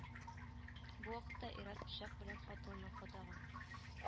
Бу вакытта ир-ат пычак белән хатынына кадаган